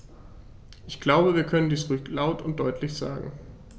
Ich glaube, wir können dies ruhig laut und deutlich sagen.